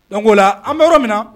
Don ko o ola la an bɛ yɔrɔ min na